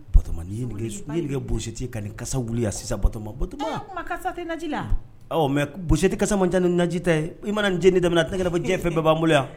Bato n'i boti ka nin karisasa wuliya sisan batomatoji la mɛ bonte kasamajan ni lajɛji tɛ i mana njeni daminɛ tanjɛ fɛn bɛɛ' bolo yan